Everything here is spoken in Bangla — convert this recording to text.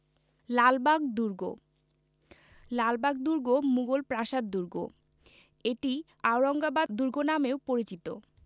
লালবাগ দুর্গ লালবাগ দুর্গ মুগল প্রাসাদ দুর্গ এটি আওরঙ্গাবাদ দুর্গ নামেও পরিচিত